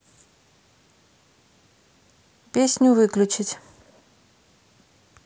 песню выключить